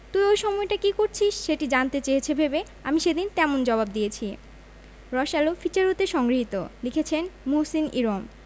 তুই ওই সময়টায় কী করছিস সেটি জানতে চেয়েছে ভেবে আমি সেদিন তেমন জবাব দিয়েছি রসআলো ফিচার হতে সংগৃহীত লিখেছেনঃ মুহসিন ইরম